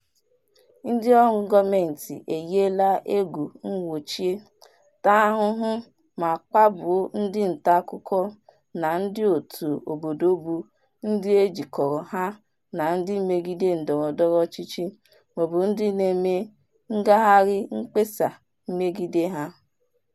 Ndịọrụ gọọmentị eyiela egwu, nwụchie, taa ahụhụ, ma kpagbuo ndị ntaakụkọ na ndịòtù obodo bụ ndị e jikọrọ ha na ndị mmegide ndọrọndọrọ ọchịchị maọbụ ndị na-eme ngagharị mkpesa megide ha.